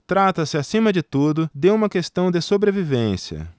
trata-se acima de tudo de uma questão de sobrevivência